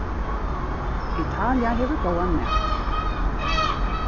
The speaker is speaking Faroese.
italia hevur góðan mat